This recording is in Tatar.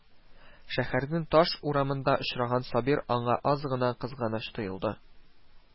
Шәһәрнең таш урамында очраган Сабир аңа аз гына кызганыч тоелды